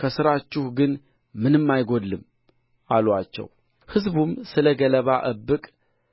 ከሥራችሁ ግን ምንም አይጐድልም አሉአቸው ሕዝቡም ስለ ገለባ እብቅ